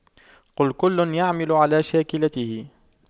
قُل كُلٌّ يَعمَلُ عَلَى شَاكِلَتِهِ